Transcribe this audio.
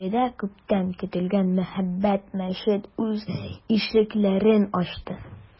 Биредә күптән көтелгән мәһабәт мәчет үз ишекләрен ачты.